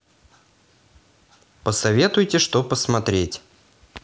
посоветуй что посмотреть